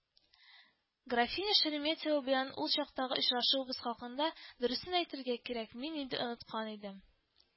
Графиня Шереметева белән ул чактагы очрашуыбыз хакында, дөресен әйтергә кирәк, мин инде оныткан идем